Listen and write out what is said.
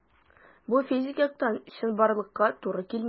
Бу физик яктан чынбарлыкка туры килми.